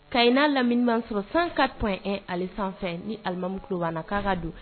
Kay n'a lamini sɔrɔ san ka tun ali sanfɛ ni alilimamu kubana k'a ka don